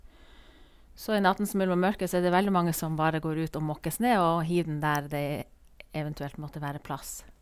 Så i nattens mulm og mørke så er det veldig mange som bare går ut og måker snø og hiver den der det e eventuelt måtte være plass.